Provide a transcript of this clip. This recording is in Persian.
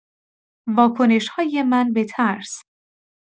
واکنش‌های من به ترس